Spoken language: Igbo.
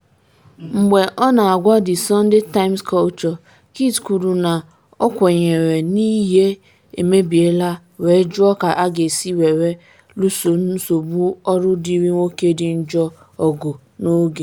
Mgbe ọ na-agwa The Sunday Times Culture, Kit kwuru na ọ kwenyere ‘n’ihe emebiela’ wee jụọ ka a ga-esi were luso nsogbu ọrụ dịrị nwoke dị njọ ọgụ n’oge #MeToo.